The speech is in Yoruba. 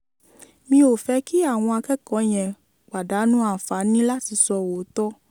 Mi ò fẹ́ kí àwọn akẹ́kọ̀ọ́ yẹn pàdánù àǹfààní láti sọ òótọ́.